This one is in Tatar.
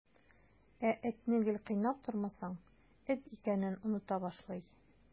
Ә этне гел кыйнап тормасаң, эт икәнен оныта башлый.